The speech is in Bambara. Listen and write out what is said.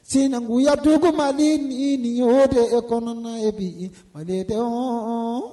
Sinakunya dugu Mali ni nin ye o de kɔnɔna ye bi malidenw